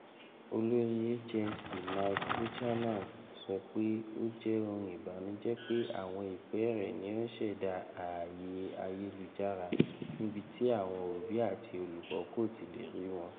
Olori HMC Mike Buchanan sọ pe: “O jẹ ohun ibanujẹ pe awọn ipẹẹrẹ ni o n ṣẹda aaye ayelujara nibi ti awọn obi ati olukọ koti le ri wọn.”